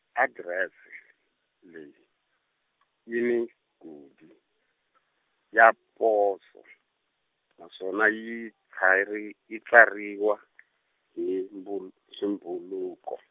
adirese, leyi, yi ni khodi , ya poso , naswona yi tshari- yi tsariwa , hi mbul- swi mbhuluko.